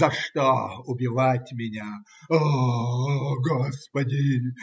За что убивать меня? О-о-о! О Господи!